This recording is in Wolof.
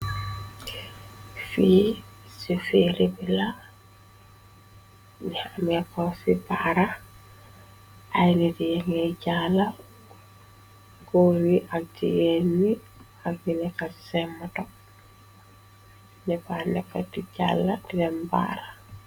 Fii ci ferebila ne amekofi bara aynediyange jala gor wi ak jiyen ni ak nineka sematop nefanlefati jala ddem baara.